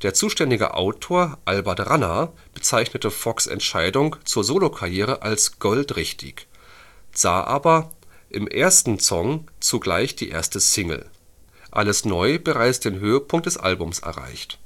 zuständige Autor Albert Ranner bezeichnete Fox ' Entscheidung zur Solokarriere als „ goldrichtig “, sah aber im ersten Song, zugleich die erste Single, Alles neu bereits den Höhepunkt des Albums erreicht